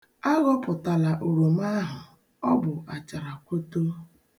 Aghọpụtala oroma ahụ, ọ bụ acharakwoto.